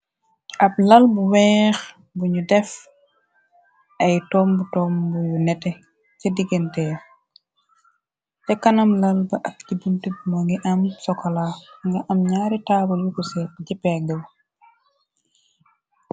Ab lal bu weex buñu def ay tomb tomb yu nete ca digantee te kanam lal ba ak gi buntib moo ngi am sokola nga am ñaari taabal yuko se jepeege.